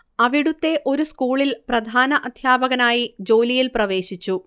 അവിടുത്തെ ഒരു സ്കൂളിൽ പ്രധാന അദ്ധ്യാപകനായി ജോലിയിൽ പ്രവേശിച്ചു